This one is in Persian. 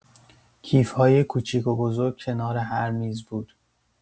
کیف‌های کوچیک و بزرگ کنار هر میز بود.